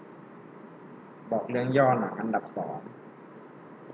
บอกเรื่องย่อหนังอันดับสอง